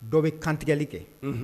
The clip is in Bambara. Dɔ bɛ kantigɛli kɛ